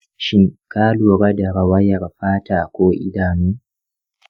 shin ka lura da rawayar fata ko idanu?